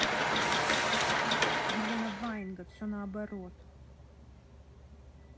елена ваенга все наоборот